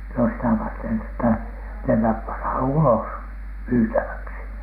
no sitä varten että nämä pannaan ulos myytäväksi